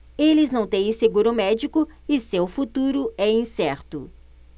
eles não têm seguro médico e seu futuro é incerto